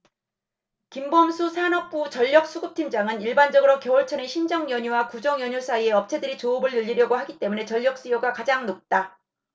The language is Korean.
김범수 산업부 전력수급팀장은 일반적으로 겨울철엔 신정연휴와 구정연휴 사이에 업체들이 조업을 늘리려고 하기 때문에 전력수요가 가장 높다